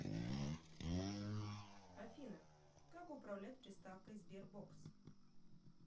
афина как управлять приставкой sberbox